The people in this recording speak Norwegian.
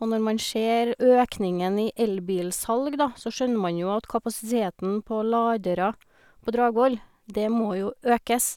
Og når man ser økningen i elbilsalg, da, så skjønner man jo at kapasiteten på ladere på Dragvoll, det må jo økes.